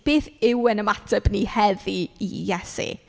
Beth yw ein ymateb ni heddi i Iesu?